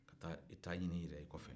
ka taa i ta ɲini i yɛrɛ ye kɔfɛ